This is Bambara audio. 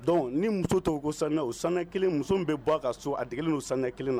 Dɔn ni muso' u ko sani o san kelen muso bɛ bɔ ka so a dege n u san kelen na